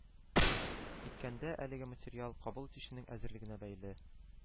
Иткәндә, әлеге материал, кабул итүченең әзерлегенә бәйле,